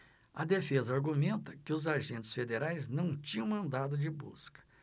a defesa argumenta que os agentes federais não tinham mandado de busca